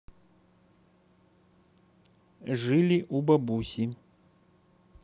жили у бабуси